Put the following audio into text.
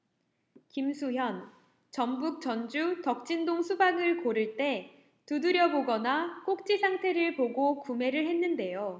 김수현 전북 전주 덕진동 수박을 고를 때 두드려보거나 꼭지 상태를 보고 구매를 했는데요